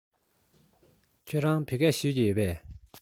ཁྱེད རང བོད སྐད ཤེས ཀྱི ཡོད པས